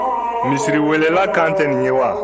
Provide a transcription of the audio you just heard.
misiriwelela kan tɛ nin ye wa